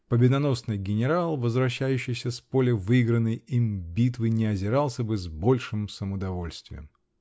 Победоносный генерал, возвращающийся с поля выигранной им битвы, не озирался бы с большим самодовольствием.